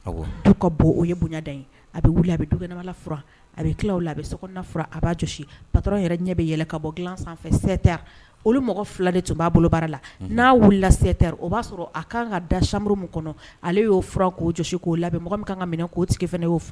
Ka bɔ o ye bonyada a bɛ a bɛ duma a bɛ tilaw la a bɛ sofura a b'a gosi pata yɛrɛ ɲɛ bɛ yɛlɛ ka bɔ dilan sanfɛ sɛta olu mɔgɔ fila de tun b'a bolo baara la n'a wulila seta o b'a sɔrɔ a kan ka da samuru mun kɔnɔ ale y'o fura k'o josi k'o labɛn mɔgɔ min ka kan ka minɛ k'o tigi fana y'o